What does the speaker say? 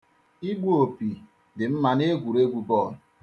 Igbu opi dị mma n'egwuregwu bọọlụ.